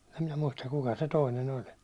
en minä muista kuka se toinen oli